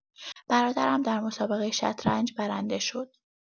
برادرم در مسابقۀ شطرنج برنده شد.